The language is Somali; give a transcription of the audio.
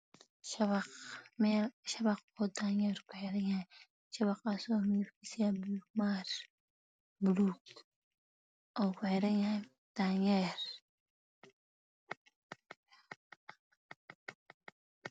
Shabaq danyeer ku xiranyahay buluug oo saaran yahay daanyeer